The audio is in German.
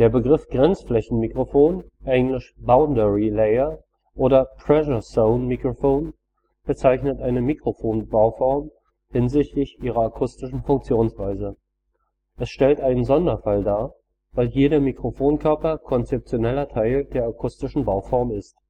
Begriff Grenzflächenmikrofon, engl.: „ boundary layer “oder „ pressure zone microphone “, bezeichnet eine Mikrofonbauform hinsichtlich ihrer akustischen Funktionsweise. Es stellt einen Sonderfall dar, weil hier der Mikrofonkörper konzeptioneller Teil der akustischen Bauform ist